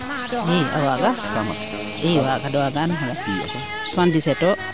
i a waaga i waagan mo ley 77 o